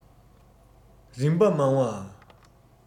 རིམ པ མང བ